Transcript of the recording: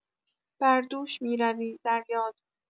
بر دوش می‌روی، در یاد